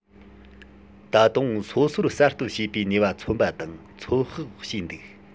ད དུང སོ སོར གསར གཏོད བྱས པའི ནུས པ མཚོན པ དང ཚོད དཔག བྱས འདུག